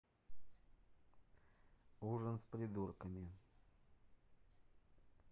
ужин с придурками